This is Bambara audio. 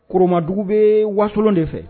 Koromadugu be wasolon de fɛ.